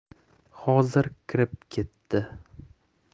hozir kirib ketdi